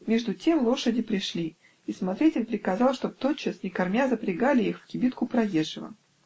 Между тем лошади пришли, и смотритель приказал, чтоб тотчас, не кормя, запрягали их в кибитку проезжего